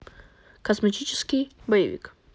космический боевик